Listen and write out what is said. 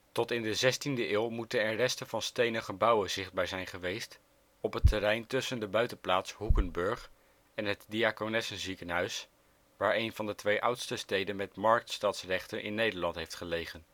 Tot in de 16e eeuw moeten er resten van stenen gebouwen zichtbaar zijn geweest op het terrein tussen de buitenplaats Hoekenburg en het Diaconessenziekenhuis, waar een van de twee oudste steden met marktstadsrechten in Nederland heeft gelegen